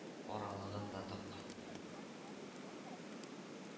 Аралыгын да тапкан